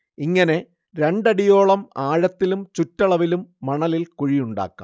ഇങ്ങനെ രണ്ടടിയോളം ആഴത്തിലും ചുറ്റളവിലും മണലിൽ കുഴിയുണ്ടാക്കാം